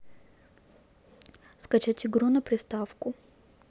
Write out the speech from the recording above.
скачать игру на приставку